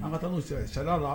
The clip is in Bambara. An ka taa n'o sira ye, sariya la